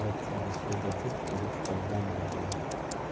duch kelib qolgandek edi